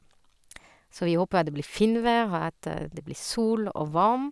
Så vi håper at det blir finvær og at det blir sol og varm.